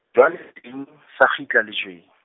jwale -ng, sa kgitla lejweng.